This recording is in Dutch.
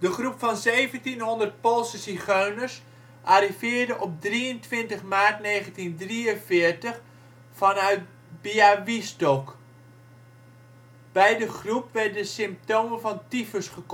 groep van 1700 Poolse zigeuners arriveerde op 23 maart 1943 vanuit Białystok. Bij de groep werden symptomen van tyfus